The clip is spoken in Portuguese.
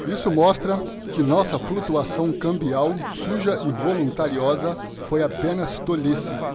isso mostra que nossa flutuação cambial suja e voluntariosa foi apenas tolice